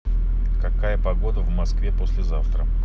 какая погода в москве послезавтра